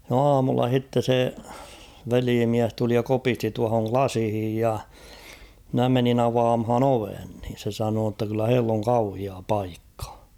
no aamulla sitten se velimies tuli ja kopisti tuohon lasiin ja minä menin avaamaan oven niin se sanoi jotta kyllä heillä on kauhea paikka